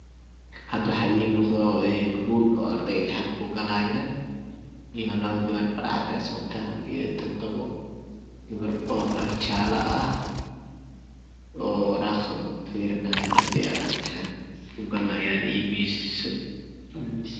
Hadda waxa Ii muuqda hool arday imtixaan ku galayayaan iyo labo dabar Dhar cadeys wataan iyo todobo dabar oo Dhar jaallo ah oo waraaqado fiirinayan miya oo imtixaanka ku galayan iyo miis .